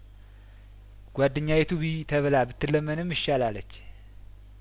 ጓደኛዪቱ ብዪ ተብላ ብትለመንም እሺ አላለች